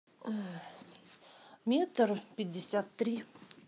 метр пятьдесят три